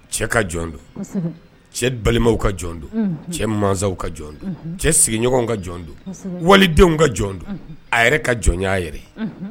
Cɛ ka jɔn don cɛ balimaw ka jɔn don cɛ masaw ka jɔn don cɛ sigiɲɔgɔn ka jɔn don walidenw ka jɔn don a yɛrɛ ka jɔnya a yɛrɛ